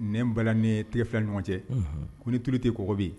Ni n bala ni terikɛ fila ni ɲɔgɔn cɛ ko ni tute kɔɔgɔ bɛ yen